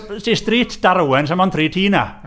Wel, 'wsti stryd Darwen does 'na mond tri tŷ yna.